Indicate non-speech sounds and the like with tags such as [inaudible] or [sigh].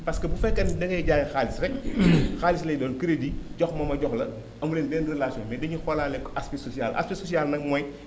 parce que bu fekkee ni dangay jaay xaalis rek [coughs] xaalis lay doon crédit jox ma ma jox la amu leen benn relation mais dañuy xoolaale aspect social aspect social nag mooy